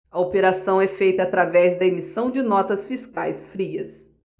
a operação é feita através da emissão de notas fiscais frias